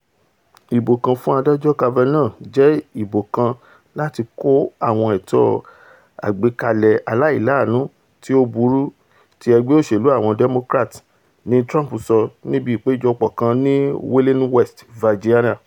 Ìbò kan fún Adájọ́ Kavanaugh jẹ́ ìbò kan láti kọ àwọn ètò agbékalẹ̀ aláìláàánú tí ó burú ti Ẹgbé Òṣèlú Àwọn Democrat,'' ni Trump sọ níbi ìpéjọpọ̀ kan ní Wheeling, West Virginia.